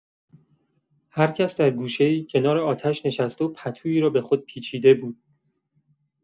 هرکس در گوشه‌ای، کنار آتش نشسته و پتویی را به خود پیچیده بود.